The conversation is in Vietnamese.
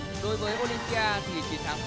đối với ô lim bi a thì chiến thắng